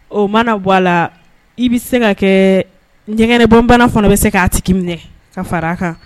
O mana bɔ a la i bɛ se ka kɛ ɲɛgɛn bɔbana fana bɛ se k'a tigi minɛ ka fara a kan